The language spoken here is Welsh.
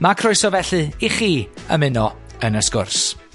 Ma' croeso felly, i chi ymuno yn y sgwrs.